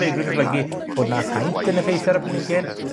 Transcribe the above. reidrwydd yn golygu bod 'na haint yn effeithio ar y planhigyn,